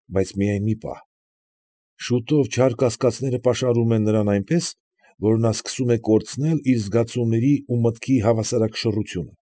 Բայց միայն մի պահ։ Շուտով չար կասկածները պաշարում են նրան այնպես, որ նա սկսում է կորցնել իր զգացումների ու մտքի հավասարակշռությունը։